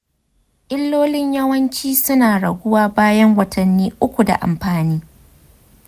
illolin yawanci suna raguwa bayan watanni uku da amfani.